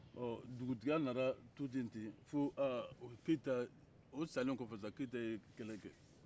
ɔ duguya nana to ten-ten fo aaa keyita o salen kɔfɛ sa keyita ye kɛlɛ